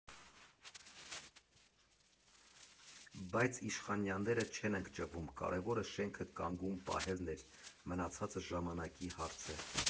Բայց Իշխանյանները չեն ընկճվում, կարևորը շենքը կանգուն պահելն էր, մնացածը ժամանակի հարց է։